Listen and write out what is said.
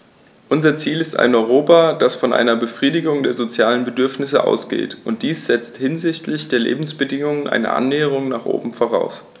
Unser Ziel ist ein Europa, das von einer Befriedigung der sozialen Bedürfnisse ausgeht, und dies setzt hinsichtlich der Lebensbedingungen eine Annäherung nach oben voraus.